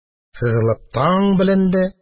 Сызылып таң беленде.